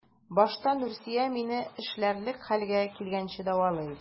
Башта Нурсөя мине эшләрлек хәлгә килгәнче дәвалый.